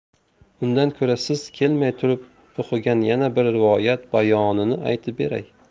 undan ko'ra siz kelmay turib o'qigan yana bir rivoyat bayonini aytib beray